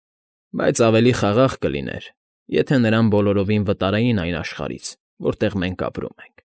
Բայց ավելի խաղաղ կլիներ, եթե նրան բոլորովին վտարեին այս աշխարհից, որտեղ մենք ենք ապրում։ ֊